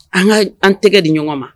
An an tɛgɛ di ɲɔgɔn ma